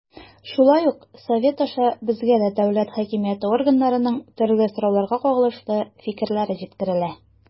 Шулай ук Совет аша безгә дә дәүләт хакимияте органнарының төрле сорауларга кагылышлы фикерләре җиткерелә.